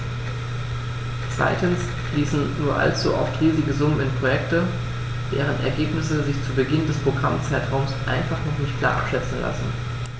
Zweitens fließen nur allzu oft riesige Summen in Projekte, deren Ergebnisse sich zu Beginn des Programmzeitraums einfach noch nicht klar abschätzen lassen.